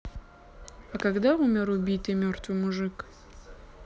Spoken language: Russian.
а когда умер убитый мертвый муж